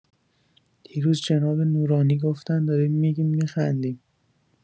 دیروز جناب نورانی گفتن داریم می‌گیم می‌خندیم